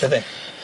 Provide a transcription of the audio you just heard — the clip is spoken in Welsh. Bydde.